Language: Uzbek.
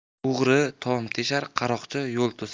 o'g'ri tom teshar qaroqchi yo'l to'sar